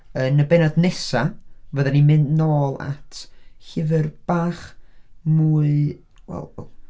Yn y bennod nesaf, fydda ni'n mynd nôl at llyfr bach mwy wel, wel...